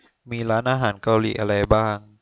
มีร้านอาหารเกาหลีอะไรบ้าง